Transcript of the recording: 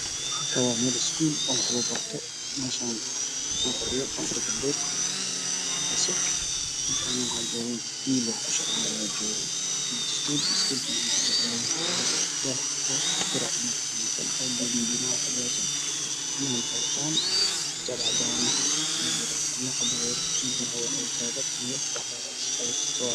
Meeshan waa meel wax lagu barto waxaa fadhiya gabdhood gabdhaha waxay wadaan xijaabad cad